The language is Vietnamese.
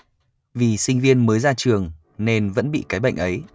vì sinh viên mới ra trường nên vẫn bị cái bệnh ấy